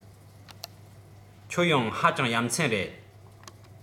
ཁྱོད ཡང ཧ ཅང ཡ མཚན རེད